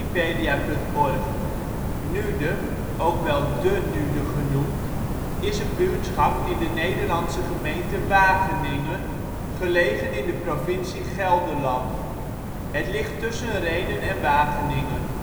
57 ' NB, 5° 38 ' OL Nude Plaats in Nederland Situering Provincie Gelderland Gemeente Wageningen Coördinaten 51° 58′ NB, 5° 38′ OL Portaal Nederland Beluister Ingesproken artikel (info) Nude (ook De Nude) is een buurtschap in de Nederlandse gemeente Wageningen, gelegen in de provincie Gelderland. Het ligt tussen Rhenen en Wageningen